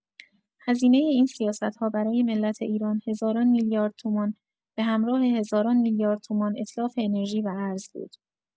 هزینۀ این سیاست‌ها برای ملت ایران هزاران میلیارد تومان به همراه هزاران میلیارد تومان اتلاف انرژی و ارز بود.